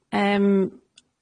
Yym.